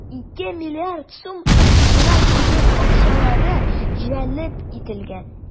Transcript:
2 млрд сум федераль үзәк акчалары җәлеп ителгән.